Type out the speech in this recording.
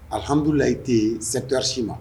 Alihamidulilayi tɛ yen secteurs si ma.